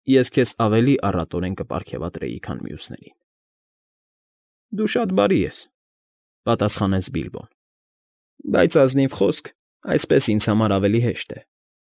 Ես քեզ ավելի առատորեն կպարգևատրեի, քան մյուսներին։ ֊ Դու շատ բարի ես,֊ պատասխանեց Բիլբոն,֊ բայց, ազնիվ խոսք, այսպես ինձ համար ավելի հեշտ է։